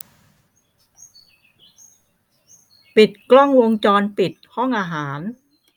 ปิดกล้องวงจรปิดห้องอาหาร